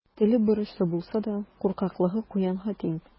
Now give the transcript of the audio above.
Теле борычлы булса да, куркаклыгы куянга тиң.